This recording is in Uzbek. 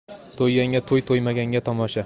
to'yganga to'y to'ymaganga tomosha